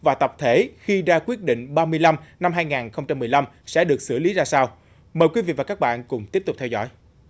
và tập thể khi ra quyết định ba mươi lăm năm hai ngàn không trăm mười lăm sẽ được xử lý ra sao mời quý vị và các bạn cùng tiếp tục theo dõi